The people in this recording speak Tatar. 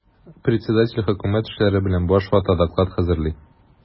Председатель хөкүмәт эшләре белән баш вата, доклад хәзерли.